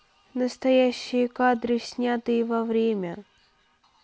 настоящие кадры снятые во время